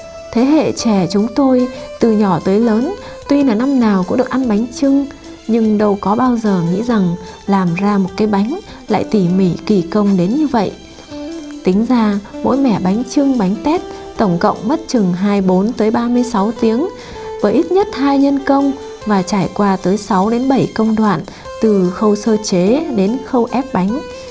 thế hệ trẻ chúng tôi từ nhỏ tới lớn tuy là năm nào cũng được ăn bánh chưng nhưng đâu có bao giờ nghĩ rằng làm ra một cái bánh lại tỷ mỉ kỳ công đến như vậy tính ra mỗi mẻ bánh chưng bánh tét tổng cộng mất chừng hai bốn tới ba mươi sáu tiếng và ít nhất hai nhân công và trải qua tới sáu đến bảy công đoạn từ khâu sơ chế đến khâu ép bánh